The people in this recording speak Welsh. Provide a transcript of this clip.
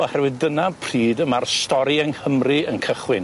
Oherwydd dyna pryd y ma'r stori yng Nghymru yn cychwyn.